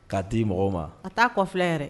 K'a di mɔgɔw ma a taa kɔfilɛ yɛrɛ